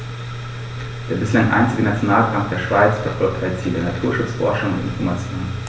Der bislang einzige Nationalpark der Schweiz verfolgt drei Ziele: Naturschutz, Forschung und Information.